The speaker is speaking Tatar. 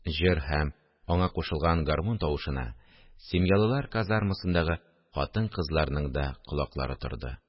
Җыр һәм аңа кушылган гармун тавышына семьялылар казармасындагы хатын-кызларның да колаклары торды